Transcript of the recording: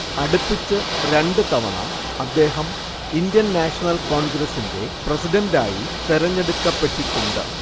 അടുപ്പിച്ച് രണ്ടു തവണ അദ്ദേഹം ഇന്ത്യൻ നാഷണൽ കോൺഗ്രസിന്റെ പ്രസിഡന്റായി തെരഞ്ഞെടുക്കപ്പെട്ടിട്ടുണ്ട്